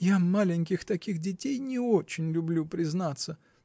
Я маленьких таких детей не очень люблю, признаться